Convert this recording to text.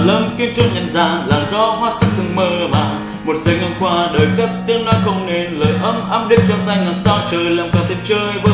lấp kín chốn nhân gian làn gió hoá sắc hương mơ màng một giây ngang qua đời cất tiếng nói không nên lời ấm áp đến trao tay ngàn sao trời lòng càng thêm chơi vơi